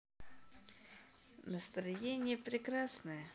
настроение прекрасное